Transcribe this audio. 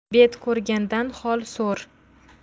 bet ko'rgandan hoi so'r